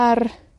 ar